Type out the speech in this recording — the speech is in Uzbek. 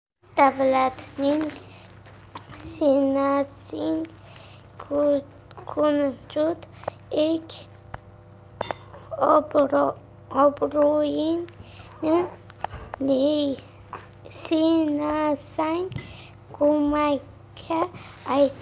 davlatingni sinasang kunjut ek obro'yingni sinasang ko'makka ayt